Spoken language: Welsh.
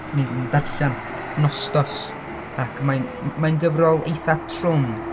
Dan ni'n darllen Nostos ac mae'n mae'n gyfrol eitha trwm.